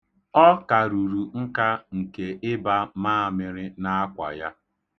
Ọ karuru nka nke ịba maamịrị n'akwa ya.